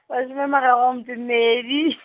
mashome a mararo e mmedi .